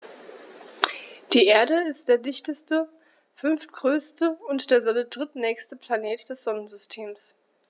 Die Erde ist der dichteste, fünftgrößte und der Sonne drittnächste Planet des Sonnensystems.